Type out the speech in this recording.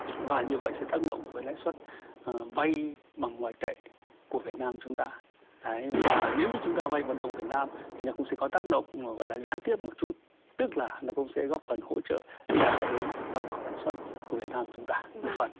và như vậy sẽ tác động với lãi suất vay bằng ngoại tệ của việt nam chúng ta ấy và nếu như chúng ta vay một đồng việt nam thì nó cũng sẽ có tác động gọi là gián tiếp một chút tức là nó cũng sẽ góp phần hỗ trợ giảm cái mặt bằng lãi suất của việt nam chúng ta một phần